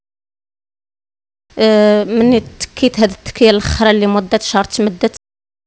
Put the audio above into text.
من تكتك يا الخرا اللي مده شهر